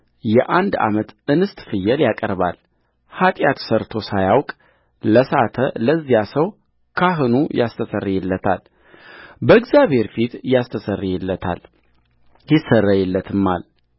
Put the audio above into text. የአንድ ዓመት እንስት ፍየል ያቀርባልኃጢአት ሠርቶ ሳያውቅ ለሳተ ለዚያ ሰው ካህኑ ያስተሰርይለታል በእግዚአብሔር ፊት ያስተሰርይለታል ይሰረይለትማል